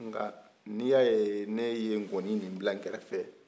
n'i y'a ye ne ye nkɔni nin bila n kɛrɛ fɛ